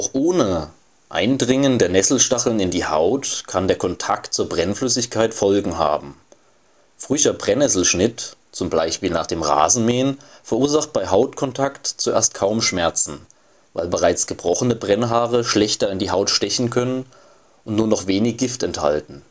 ohne Eindringen der Nesselstacheln in die Haut kann der Kontakt zur Brennflüssigkeit Folgen haben: Frischer Brennnessel-Schnitt (z. B. nach dem Rasenmähen) verursacht bei Hautkontakt zuerst kaum Schmerzen, weil bereits gebrochene Brennhaare schlechter in die Haut stechen können und nur noch wenig Gift enthalten